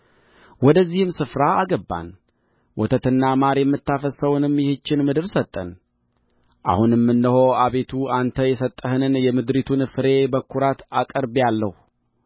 ወደዚህም ስፍራ አገባን ወተትና ማር የምታፈስሰውንም ይህችን ምድር ሰጠን አሁንም እነሆ አቤቱ አንተ የሰጠኸኝን የምድሪቱን ፍሬ በኵራት አቅርቤአለሁ